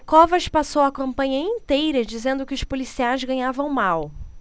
covas passou a campanha inteira dizendo que os policiais ganhavam mal